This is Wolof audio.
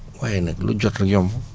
waaye nag lu jot rek yomb